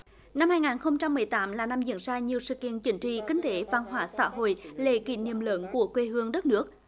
năm hai ngàn không trăm mười tám là năm diễn ra nhiều sự kiện chính trị kinh tế văn hóa xã hội lễ kỷ niệm lớn của quê hương đất nước